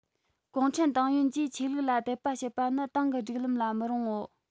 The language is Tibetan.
གུང ཁྲན ཏང ཡོན གྱིས ཆོས ལུགས ལ དད པ བྱེད པ ནི ཏང གི སྒྲིག ལམ ལ མི རུང ངོ